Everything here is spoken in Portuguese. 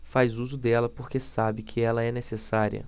faz uso dela porque sabe que ela é necessária